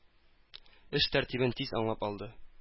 Эш тәртибен тиз аңлап алды.